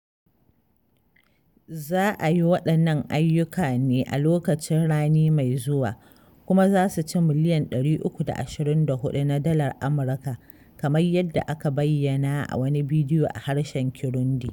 Za a yi waɗannan ayyuka ne a lokacin rani mai zuwa, kuma za su ci miliyan 324 na dalar Amurka, kamar yadda aka bayyana a wannan bidiyo a harshen Kirundi.